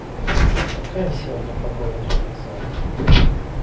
какая сегодня погода в чебоксарах